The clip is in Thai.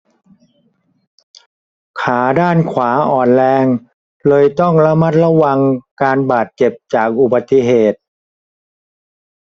ขาด้านขวาอ่อนแรงเลยต้องระมัดระวังการบาดเจ็บจากอุบัติเหตุ